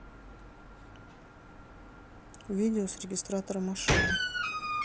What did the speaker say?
видео с регистратора машины